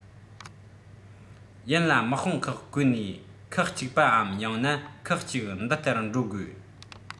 ཡིན ལ དམག དཔུང ཁག བགོས ནས ཁག ཅིག པའམ ཡང ན ཁག གཅིག འདི ལྟར འགྲོ དགོས